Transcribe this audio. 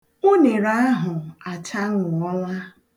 Unere ahụ achaṅụọla.